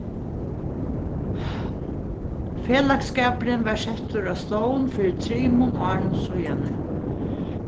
felagsskapurin varð settur á stovn fyri trimum árum síðani